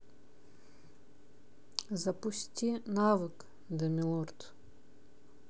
запусти навык да милорд